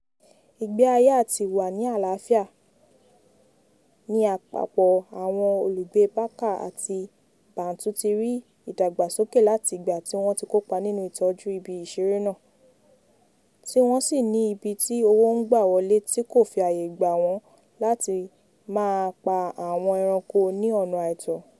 Ìgbé ayé àti ìwà ní àlàáfíà ní àpapọ̀ àwọn olùgbé Baka àti Bantu tí rí ìdàgbàsókè láti ìgbà tí wọ́n ti kópa nínú ìtọ́jú ibi ìṣeré náà, tí wọ́n sì ní ibi tí owó ń gbà wọlé tí kò fi ààyè gbà wọ́n láti máa pa àwọn ẹranko ní ọ̀nà àìtọ́.